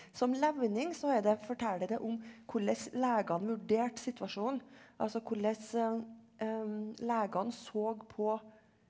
som levning så er det forteller det om hvordan legene vurderte situasjonen altså hvordan legene så på.